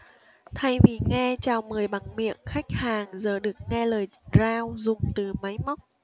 thay vì nghe chào mời bằng miệng khách hàng giờ được nghe lời rao giùm từ máy móc